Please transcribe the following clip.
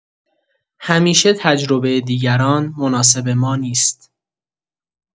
همیشه تجربه دیگران مناسب ما نیست!